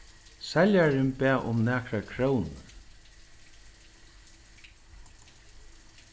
seljarin bað um nakrar krónur